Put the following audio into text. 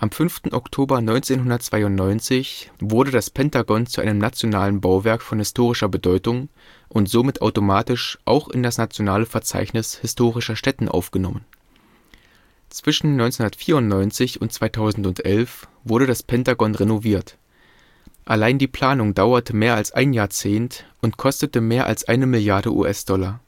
5. Oktober 1992 wurde das Pentagon zu einem nationalen Bauwerk von historischer Bedeutung und somit automatisch auch in das nationale Verzeichnis historischer Stätten aufgenommen. Zwischen 1994 und 2011 wurde das Pentagon renoviert. Allein die Planung dauerte mehr als ein Jahrzehnt und kostete mehr als eine Milliarde US-Dollar